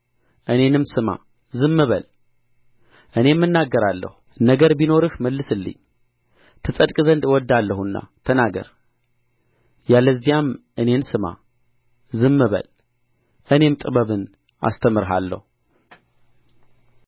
እኔንም ስማ ዝም በል እኔም እናገራለሁ ነገር ቢኖርህ መልስልኝ ትጸድቅ ዘንድ እወድዳለሁና ተናገር ያለዚያም እኔን ስማ ዝም በል እኔም ጥበብን አስተምርሃለሁ